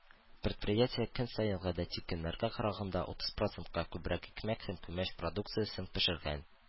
Предприятие көн саен, гадәти көннәргә караганда, утыз процентка күбрәк икмәк һәм күмәч продукциясен пешергән.